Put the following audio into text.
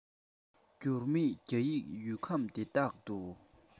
རྒྱུས མེད རྒྱ ཡི ཡུལ ཁམས འདི དག ཏུ